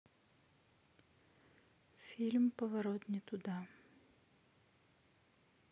фильм поворот не туда